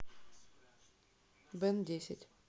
бен десять